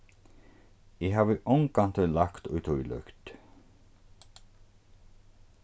eg havi ongantíð lagt í tílíkt